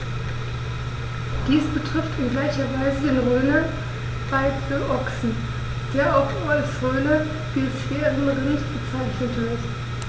Dies betrifft in gleicher Weise den Rhöner Weideochsen, der auch als Rhöner Biosphärenrind bezeichnet wird.